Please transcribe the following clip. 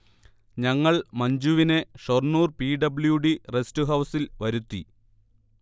ഞങ്ങൾ മഞ്ജുവിനെ Shoranur P. W. D. റെസ്റ്റ്ഹൗസിൽ വരുത്തി